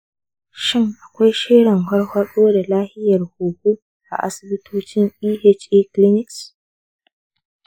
shin akwai shirin farfaɗo da lafiyar huhu a asibitocin eha clinics?